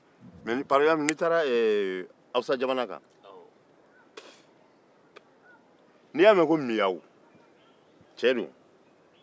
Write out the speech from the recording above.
n'i taara hawusajamana kan n'i y'a mɛn ko miyawu muso don